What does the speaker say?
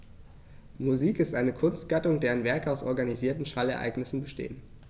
Musik ist eine Kunstgattung, deren Werke aus organisierten Schallereignissen bestehen.